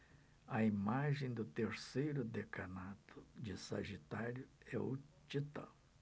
a imagem do terceiro decanato de sagitário é o titã